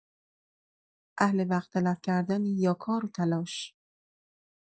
اهل وقت تلف کردنی یا کار و تلاش؟